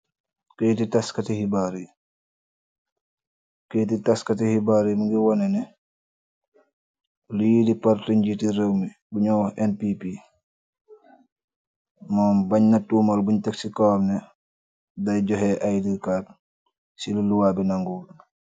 keyti taskati xibaar yi mingi wone ne lui di parlin jiiti réew mi buñoo npp moom bañ na tuumal buñ taxsikowamne day joxe ay likaat ci lu luwaa bi nangul